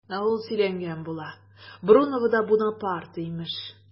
Ә ул сөйләнгән була, Бруновода Бунапарте имеш!